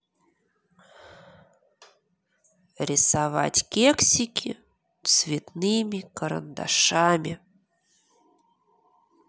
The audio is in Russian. рисовать кексики цветными карандашами